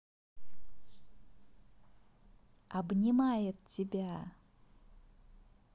обнимает тебя